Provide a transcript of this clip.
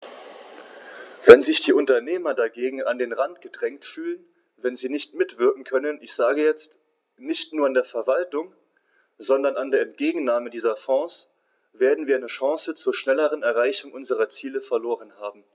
Wenn sich die Unternehmer dagegen an den Rand gedrängt fühlen, wenn sie nicht mitwirken können ich sage jetzt, nicht nur an der Verwaltung, sondern an der Entgegennahme dieser Fonds , werden wir eine Chance zur schnelleren Erreichung unserer Ziele verloren haben.